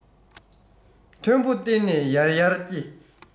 མཐོན པོ བརྟེན ནས ཡར ཡར སྐྱེ